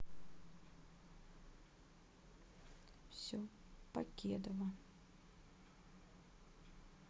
все покедова